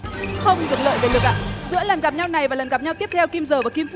không được lợi về lực ạ giữa lần gặp nhau này và lần gặp nhau tiếp theo kim giờ kim phút